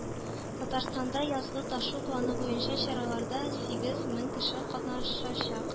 Татарстанда "Язгы ташу" планы буенча чараларда сигез мең кеше катнашачак